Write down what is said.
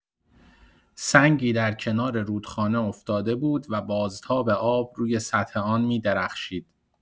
سنگی در کنار رودخانه افتاده بود و بازتاب آب روی سطح آن می‌درخشید.